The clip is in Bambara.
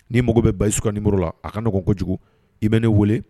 Ni mago bɛ basi su ka nin muru la a ka ko kojugu i bɛ ne weele